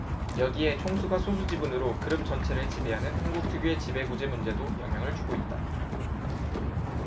여기에 총수가 소수 지분으로 그룹 전체를 지배하는 한국 특유의 지배구조 문제도 영향을 주고 있다